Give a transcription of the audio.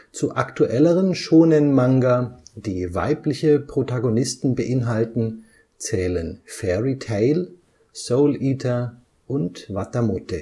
Zu aktuelleren Shōnen-Manga, die weibliche Protagonisten beinhalten, zählen Fairy Tail, Soul Eater und WataMote